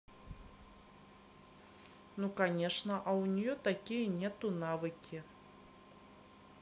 ну конечно а у нее такие нету навыки